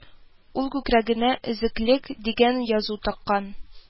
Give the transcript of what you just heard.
Ул күкрәгенә «Өзеклек» дигән язу таккан